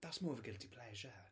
That's more of a guilty pleasure.